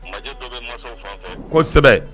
Majɛ dɔ bɛ masaw fanfɛ kosɛbɛ